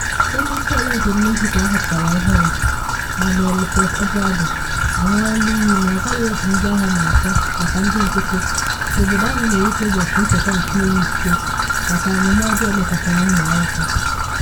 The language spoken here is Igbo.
Onye isi ala nke Mexico ahọpụtara ọhụrụ Manuel Lopez Obrador anwụọla iyi na ọ gaghị eji ndị agha ma ncha maka ndị nkịtị ka obodo ahụ na erute ụbọchị ncheta nke 50 maka omume ọjọọ emekwasara ụmụ akwụkwọ.